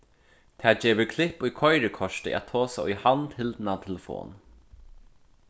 tað gevur klipp í koyrikortið at tosa í handhildna telefon